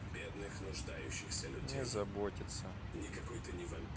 не заботится